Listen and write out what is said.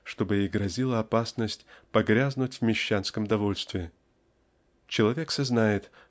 чтобы ей грозила опасность погрязнуть в мещанском довольстве. Человек сознает